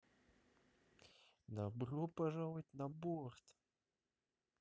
добро пожаловать на борт